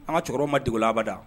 An ka cɛkɔrɔbaw ma dege o la abada